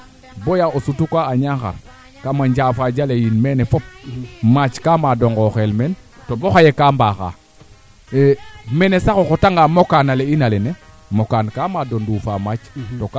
o ref pexey i meene im bugo ley meen reke ga'a fasaɓo a ñaawo parce que kaaga question na xamo maaga